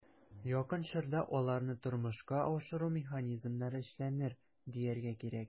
Якын чорда аларны тормышка ашыру механизмнары эшләнер, дияргә кирәк.